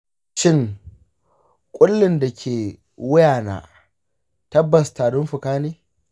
shin ƙullin da ke wuyana tabbas tarin fuka ne?